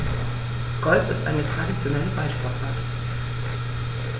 Golf ist eine traditionelle Ballsportart.